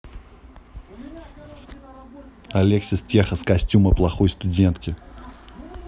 алексис техас костюма плохой студентки